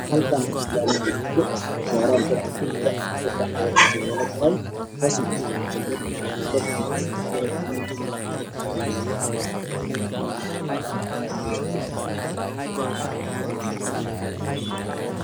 Halkan waxaa yaalo burjiko dab kushidan yahay waxaa saran bir can jeero dabolan